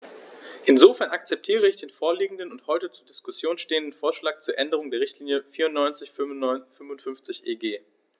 Insofern akzeptiere ich den vorliegenden und heute zur Diskussion stehenden Vorschlag zur Änderung der Richtlinie 94/55/EG.